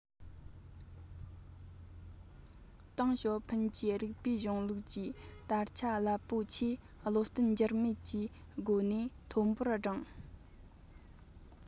ཏེང ཞའོ ཕིན གྱི རིགས པའི གཞུང ལུགས ཀྱི དར ཆ རླབས པོ ཆེ བློ བརྟན འགྱུར མེད ཀྱི སྒོ ནས མཐོན པོར བསྒྲེངས